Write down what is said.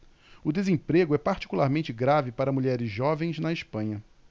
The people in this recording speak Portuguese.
o desemprego é particularmente grave para mulheres jovens na espanha